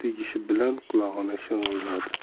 bilan qulog'i shang'illadi